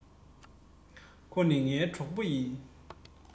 ཁོ ནི ངའི གྲོགས པོ ཡིན